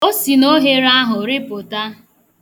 O si na oghere ahụ rịpụta.